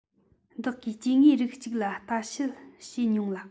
བདག གིས སྐྱེ དངོས རིགས གཅིག ལ ལྟ དཔྱད བྱས མྱོང ལ